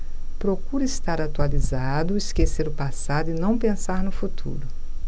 procuro estar atualizado esquecer o passado e não pensar no futuro